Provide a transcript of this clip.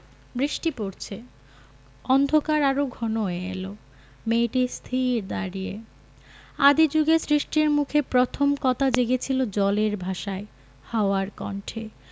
বৃষ্টি পরছে অন্ধকার আরো ঘন হয়ে এল মেয়েটি স্থির দাঁড়িয়ে আদি জুগে সৃষ্টির মুখে প্রথম কথা জেগেছিল জলের ভাষায় হাওয়ার কণ্ঠে